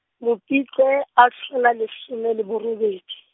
Mopitlwe a tlhola lesome le borobedi.